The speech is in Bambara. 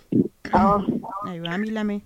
Ɔnhɔn, ayiwa an b'i lamɛn